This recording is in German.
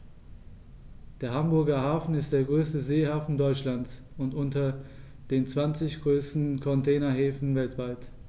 Der Hamburger Hafen ist der größte Seehafen Deutschlands und unter den zwanzig größten Containerhäfen weltweit.